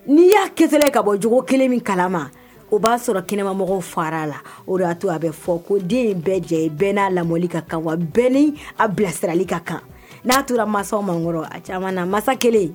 N'i y'a kɛ ka bɔ cogo kelen min kalama o b'a sɔrɔ kɛnɛmamɔgɔ fara la o de'a a bɛ fɔ ko den in bɛɛ jɛ i bɛɛ n'a lali ka kan wa bɛɛ a bilasirali ka kan n'a tora mansaw man kɔrɔ a na masa kelen